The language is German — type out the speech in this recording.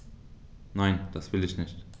Nein, das will ich nicht.